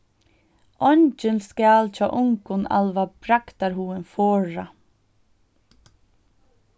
eingin skal hjá ungum alva bragdarhugin forða